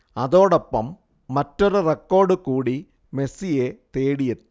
അതോടൊപ്പം മറ്റൊരു റെക്കോർഡ് കൂടി മെസ്സിയെ തേടിയെത്തും